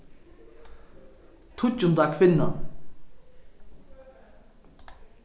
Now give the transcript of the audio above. tíggjunda kvinnan